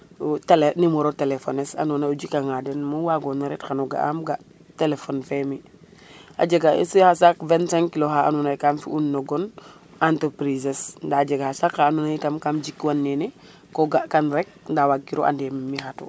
wo tele numero telephone es ando naye o jika nga den mu wago na ret xano ga am ga telephone fe mi a jege it xa sac 25 kilos xa ando naye kam fi un no gon entreprise es nda a jega xa sac xa ando itam kam jik wan nene ko ga kan rek nda waag kiro ande na mi xatu